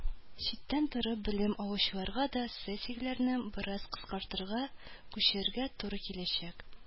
Читтән торып белем алучыларга да сессияләрен бераз кыскартырга, күчерергә туры киләчәк